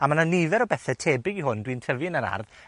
A ma' 'na nifer o bethe tebyg i hwn dwi'n tyfu yn yr ardd